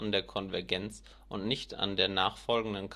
der Konvergenz und nicht an der nachfolgenden